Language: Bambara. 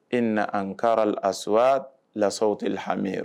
E na an ka as lasaw tɛl hami ye